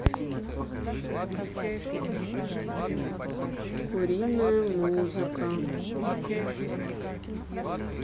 куриная музыка